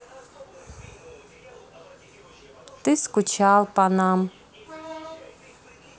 ты скучал по нам